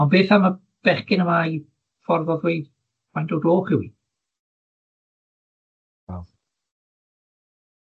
On' beth am y bechgyn yma 'u ffordd o ddweu faint o gloch yw 'i?